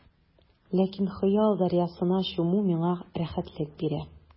Ләкин хыял дәрьясына чуму миңа рәхәтлек бирә.